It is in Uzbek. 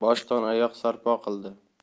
boshdan oyoq sarpo qildi